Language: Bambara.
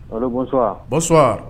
O bosɔ bosɔn